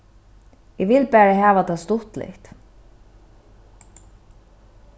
eg vil bara hava tað stuttligt